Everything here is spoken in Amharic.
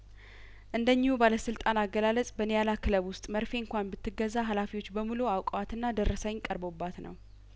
እንደ እኚሁ ባለስልጣን አገላለጽ በኒያላ ክለብ ውስጥ መርፌ እንኳን ብት ገዛ ሀላፊዎች በሙሉ አውቀ ዋትና ደረሰኝ ቀርቦባት ነው